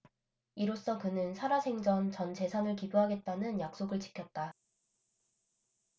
이로써 그는 살아생전 전 재산을 기부하겠다는 약속을 지켰다